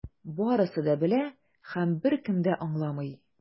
Барысы да белә - һәм беркем дә аңламый.